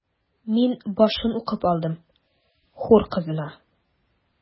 Мин башын укып алдым: “Хур кызына”.